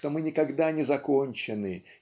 что мы никогда не закончены